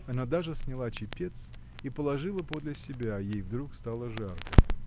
Она даже сняла чепец и положила подле себя: ей вдруг стало жарко.